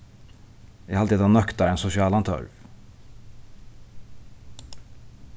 eg haldi hetta nøktar ein sosialan tørv